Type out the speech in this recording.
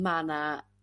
ma 'na